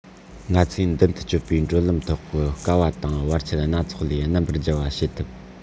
ང ཚོས མདུན དུ སྐྱོད པའི བགྲོད ལམ ཐོག གི དཀའ བ དང བར ཆད སྣ ཚོགས ལས རྣམ པར རྒྱལ བ བྱེད ཐུབ